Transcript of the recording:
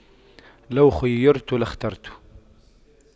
لو خُيِّرْتُ لاخترت